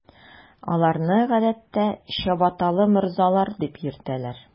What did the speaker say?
Аларны, гадәттә, “чабаталы морзалар” дип йөртәләр.